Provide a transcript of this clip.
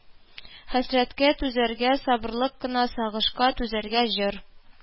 Хәсрәткә түзәргә сабырлык кына, сагышка түзәргә җыр